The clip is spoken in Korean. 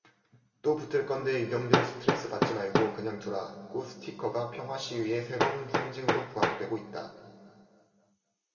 또 붙을 건데 의경들 스트레스 받지 말고 그냥 두라 꽃 스티커가 평화시위의 새로운 상징으로 부각되고 있다